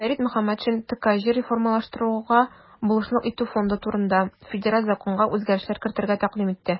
Фәрит Мөхәммәтшин "ТКҖ реформалаштыруга булышлык итү фонды турында" Федераль законга үзгәрешләр кертергә тәкъдим итә.